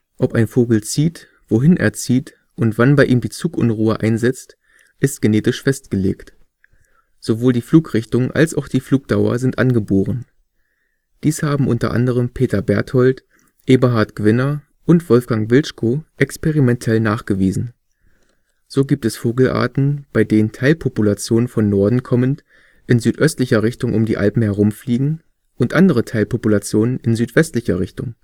Ob ein Vogel zieht, wohin er zieht und wann bei ihm die Zugunruhe einsetzt, ist genetisch festgelegt: Sowohl die Flugrichtung als auch die Flugdauer sind angeboren. Dies haben unter anderem Peter Berthold, Eberhard Gwinner und Wolfgang Wiltschko experimentell nachgewiesen. So gibt es Vogelarten, bei denen Teilpopulationen von Norden kommend in südöstlicher Richtung um die Alpen herum fliegen und andere Teilpopulationen in südwestlicher Richtung